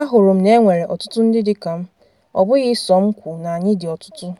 A hụrụ m na e nwere ọtụtụ ndị dịka m, ọ bụghị sọ m kwụ na anyị dị ọtụtụ.